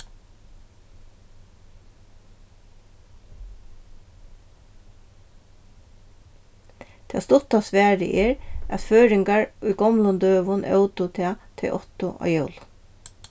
tað stutta svarið er at føroyingar í gomlum døgum ótu tað tey áttu á jólum